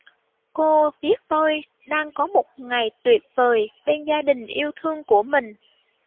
cô viết tôi đang có một ngày tuyệt vời bên gia đình yêu thương của mình